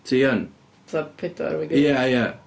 Ti yn?... Fatha pedwar efo'i gilydd... Ia, ia.